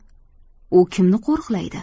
u kimni qo'riqlaydi